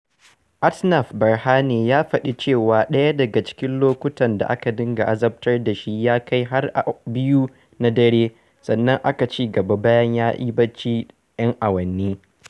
Atnaf Berhane ya faɗi cewa ɗaya daga cikin lokutan da aka dinga azabtar da shi ya kai har 2 na dare, sannan aka cigaba bayan ya ɗan yi barcin 'yan awanni.